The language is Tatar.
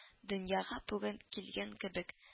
Дөньяга бүген килгән кебек